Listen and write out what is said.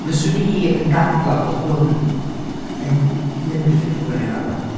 Fyswn i yn dadlau bod hwn yn lyfr ffuglen i raddau.